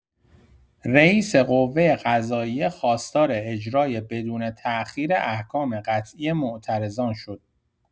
رئیس قوه‌قضائیه خواستار اجرای بدون تاخیر احکام «قطعی» معترضان شد.